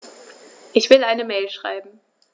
Ich will eine Mail schreiben.